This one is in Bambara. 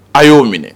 A y'o minɛ